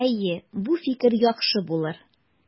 Әйе, бу фикер яхшы булыр.